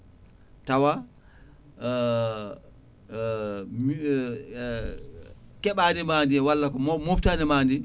tawa keɓadima ndi walla ko mo moftadi madi